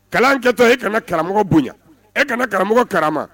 Kalankɛtɔ e kana karamɔgɔ bonya e kana karamɔgɔ karama